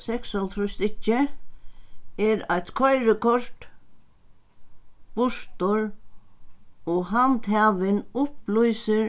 seksoghálvtrýss stykki er eitt koyrikort burtur og handhavin upplýsir